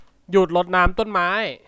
หยุดรดน้ำต้นไม้